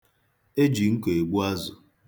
E ji nko egbu azụ.